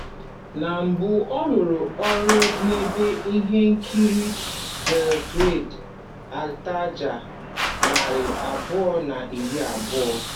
Na mbụ, ọ rụrụ ọrụ n'ebe ihe nkiri Belgrade Atelje 212.